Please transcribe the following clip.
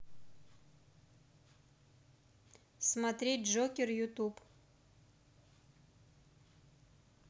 смотреть джокер ютуб